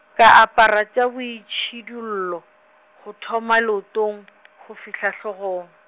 ka apara tša boitšhidullo, go thoma leotong , go fihla hlogong.